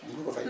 mënu ko fay